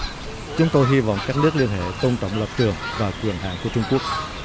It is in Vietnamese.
chúng tôi hy vọng các nước liên hệ tôn trọng lập trường và quyền hạn của trung quốc